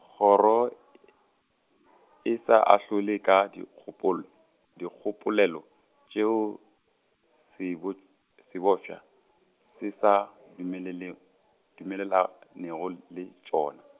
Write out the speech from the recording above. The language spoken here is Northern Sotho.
kgoro , e sa ahlole ka dikgopolo, dikgopolelo, tšeo, sebo-, sebofša, se sa dumelele-, dumelelanego le tšona.